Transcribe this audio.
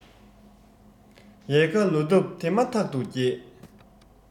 ཡལ ག ལོ འདབ དེ མ ཐག ཏུ རྒྱས